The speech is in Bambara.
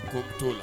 Ko to